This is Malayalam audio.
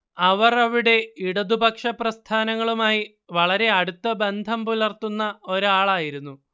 അവർ അവിടെ ഇടതുപക്ഷപ്രസ്ഥാനങ്ങളുമായി വളരെ അടുത്ത ബന്ധം പുലർത്തുന്ന ഒരാളായിരുന്നു